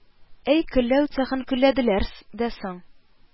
Әй, көлләү цехын көлләделәр дә соң